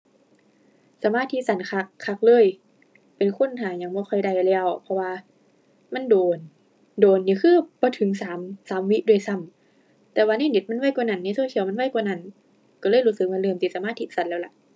สมาธิสั้นคัก คักเลย เป็นคนท่ายังบ่ค่อยได้แล้ว เพราะว่ามันโดน โดนนี่คือบ่ถึงสาม สามวิด้วยซ้ำ แต่ว่าในเน็ตมันไวกว่านั้น ในโซเชียลมันไวกว่านั้น ก็เลยรู้สึกว่าเริ่มสิสมาธิสั้นแล้วล่ะ